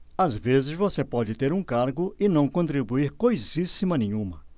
às vezes você pode ter um cargo e não contribuir coisíssima nenhuma